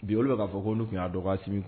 Bi olu b'a fɔ ko'u tun y'a dɔgɔ